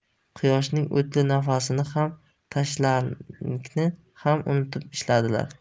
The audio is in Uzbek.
quyoshning o'tli nafasini ham tashnalikni ham unutib ishladilar